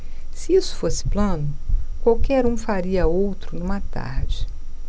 se isso fosse plano qualquer um faria outro numa tarde